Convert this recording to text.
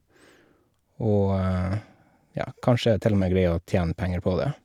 Og, ja, kanskje til og med greie å tjene penger på det.